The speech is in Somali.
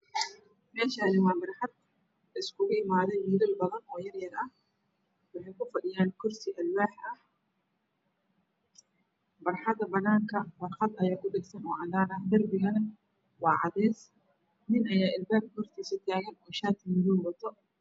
Meeshaani waa barxad la isugu imaaday wiilal badan oo yaryar ah oo ku fadhiyo kursi alwaax ah barxada banaanka warqad ayaa ku dhagsan oo cadaan ah darbigana waa cadays nin ayaa albaabka hortiisa taagan oo shaati madow wato